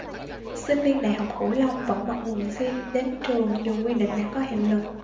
sinh viên đại học cửu long vẫn mặc quần jean đến trường dù quy định đã có hiệu lực